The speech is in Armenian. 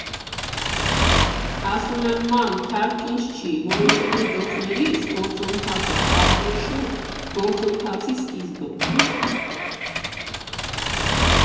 Ասում եմ՝ մամ, քյարփինջ չի, որ ընկնի գլխներիս, գործընթաց ա, ավելի շուտ՝ գործընթացի սկիզբը։